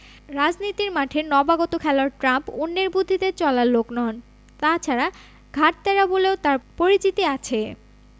রাজনীতির মাঠের নবাগত খেলোয়াড় ট্রাম্প অন্যের বুদ্ধিতে চলার লোক নন তা ছাড়া ঘাড় ত্যাড়া বলেও তাঁর পরিচিতি আছে